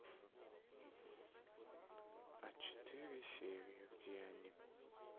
а четыре серия где они